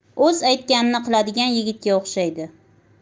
o'z aytganini qiladigan yigitga o'xshaydi